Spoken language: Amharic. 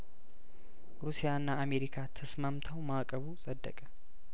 ሩሲያና አሜሪካ ተስማምተው ማእቀቡ ጸደቀ